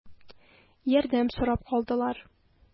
Ярдәм сорап калдылар.